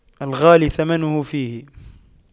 الغالي ثمنه فيه